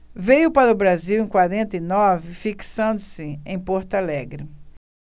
veio para o brasil em quarenta e nove fixando-se em porto alegre